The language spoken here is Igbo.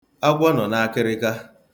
Agwọ nọ n'akịrịka.